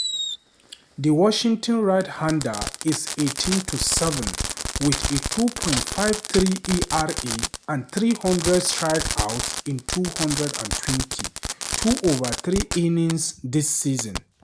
The Washington right-hander is 18-7 with a 2.53 ERA and 300 strikeouts in 220 2/3 innings this season.